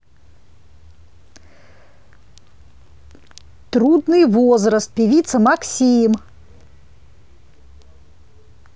трудный возраст певица максим